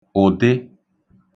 ụ̀dị